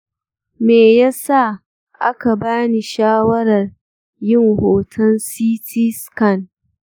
me yasa aka ba ni shawarar yin hoton ct scan?